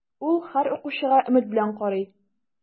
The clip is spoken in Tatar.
Ул һәр укучыга өмет белән карый.